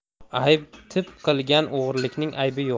aytib qilgan o'g'irlikning aybi yo'q